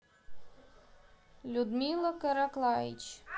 людмила караклаич